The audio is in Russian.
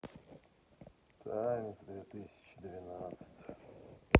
танец две тысячи девятнадцать